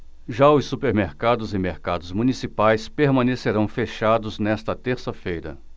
já os supermercados e mercados municipais permanecerão fechados nesta terça-feira